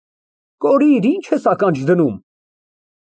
Կորիր, ի՞նչ ես ականջ դնում։